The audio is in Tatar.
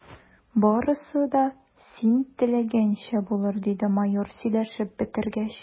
Барысы да син теләгәнчә булыр, – диде майор, сөйләшеп бетергәч.